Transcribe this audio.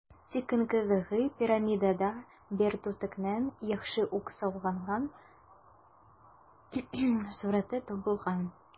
Тик иң кызыгы - пирамидада бер түтекнең яхшы ук сакланган сурəте табылган.